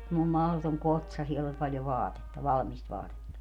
semmoinen mahdoton kotsa siellä oli paljon vaatetta valmista vaatetta